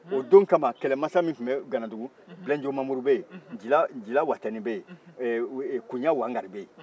o don kama kɛlɛmansaw minnu tun bɛ ganadugu bilenjo mamuru bɛ yen jila watani bɛ yen koɲa wangari bɛ yen